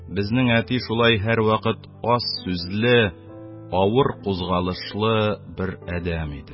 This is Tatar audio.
Безнең әти шулай һәрвакыт аз сүзле, авыр кузгалышлы бер адәм иде.